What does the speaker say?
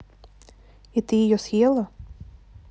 и ты ее съела